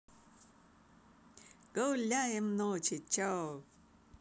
гуляем ночи че